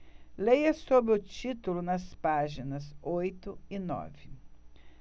leia sobre o título nas páginas oito e nove